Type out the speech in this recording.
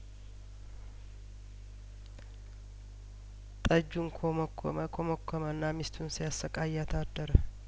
ጠጁን ኰመኰመ ኰመኰመና ሚስቱን ሲያሰቃ ያት አደረ